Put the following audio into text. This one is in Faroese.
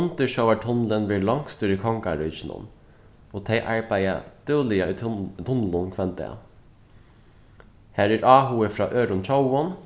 undirsjóvartunnilin verður longstur í kongaríkinum og tey arbeiða dúgliga í í tunlinum hvønn dag har er áhugi frá øðrum tjóðum